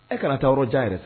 E kana taa yɔrɔ jan yɛrɛ sa